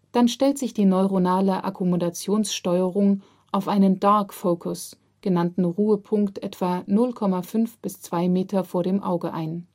dann stellt sich die neuronale Akkommodationssteuerung auf einen dark focus genannten Ruhepunkt etwa 0,5 bis 2 m vor dem Auge ein